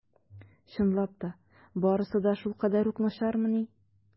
Чынлап та барысы да шулкадәр үк начармыни?